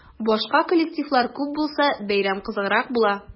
Башка коллективлар күп булса, бәйрәм кызыграк була.